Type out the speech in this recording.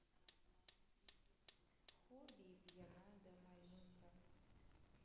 хобби и пьяна до малинка